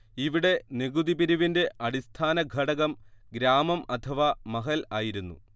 ഇവിടെ നികുതിപിരിവിന്റെ അടിസ്ഥാനഘടകം ഗ്രാമം അഥവാ മഹൽ ആയിരുന്നു